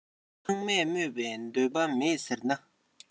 ཚང མས སྨོད པའི འདོད པ མེད ཟེར ན